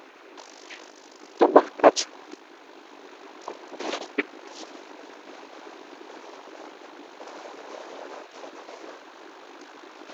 Tabaaxkat